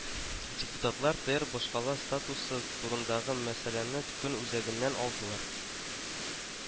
Депутатлар ТээР башкала статусы турындагы мәсьәләне көн үзәгеннән алдылар